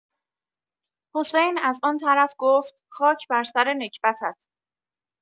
حسین از آن‌طرف گفت: خاک بر سر نکبتت.